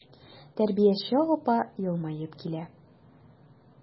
Тәрбияче апа елмаеп килә.